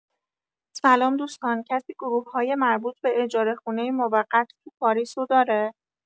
سلام دوستان کسی گروه‌های مربوط به اجاره خونه موقت تو پاریس و داره؟